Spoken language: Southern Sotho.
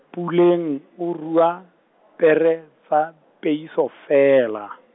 Puleng o rua, pere, tsa, peiso feela.